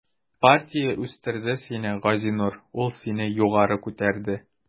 Партия үстерде сине, Газинур, ул сине югары күтәрде.